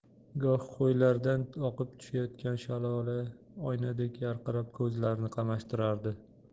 goh qoyalardan oqib tushayotgan shalola oynadek yarqirab ko'zlarni qamashtirardi